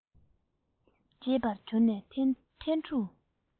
བརྗེད པ གྱུར ནས ཐན ཕྲུག